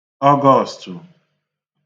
Ọgọstụ